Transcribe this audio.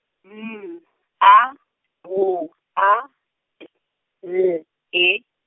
M A W A T L E.